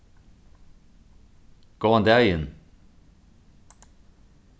góðan dagin